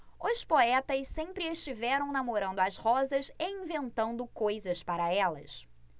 os poetas sempre estiveram namorando as rosas e inventando coisas para elas